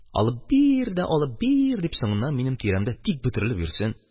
«алып бир» дә «алып бир» дип, соңыннан минем тирәмдә тик бөтерелеп йөрсен.